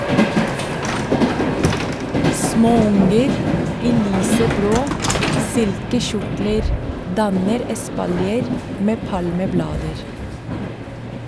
Småunger i lyseblå silkekjortler danner espalier med palmeblader.